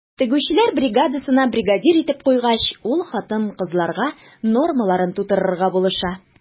Тегүчеләр бригадасына бригадир итеп куйгач, ул хатын-кызларга нормаларын тутырырга булыша.